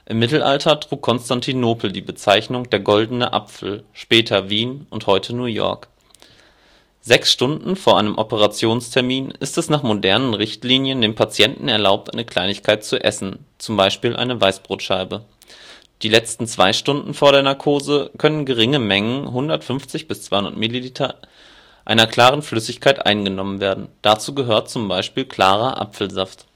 Mittelalter trug Konstantinopel die Bezeichnung Der goldene Apfel, später Wien, heute New York. 6 Stunden vor einem Operationstermin ist es nach modernen Richtlinien dem Patienten erlaubt, eine Kleinigkeit zu essen (z.B. eine Weißbrotscheibe). Die letzten 2 Stunden vor der Narkose können geringe Mengen (150 bis 200 ml) einer klaren Flüssigkeit eingenommen werden, dazu gehört zum Beispiel klarer Apfelsaft